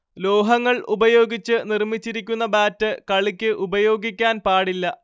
ലോഹങ്ങൾ ഉപയോഗിച്ച് നിർമിച്ചിരിക്കുന്ന ബാറ്റ് കളിക്ക് ഉപയോഗിക്കാൻ പാടില്ല